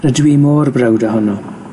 rydw i mor browd ohono.